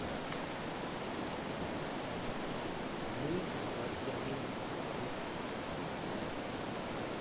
Նույն վայրկյանին ծառից ցած թռա։